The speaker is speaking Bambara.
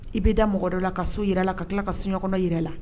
I bɛ da mɔgɔ dɔ la ka so yɛrɛ la ka tila ka sokɔnɔ jira la